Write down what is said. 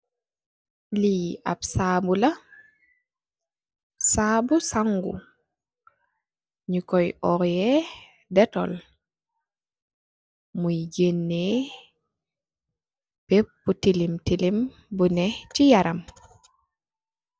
Li ap sabu la sabu sangu nyu koi oyeh dettol moi genee bempi telem telem bu neeh si yaram.